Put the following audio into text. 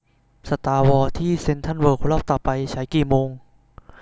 สตาร์วอร์ที่เซ็นทรัลเวิลด์รอบต่อไปฉายกี่โมง